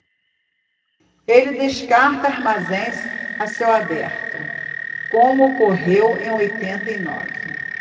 ele descarta armazéns a céu aberto como ocorreu em oitenta e nove